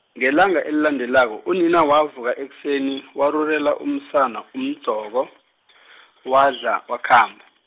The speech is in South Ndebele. ngelanga elilandelako, unina wavuka ekuseni, warurela umsana umdoko, wadla, wakhamba.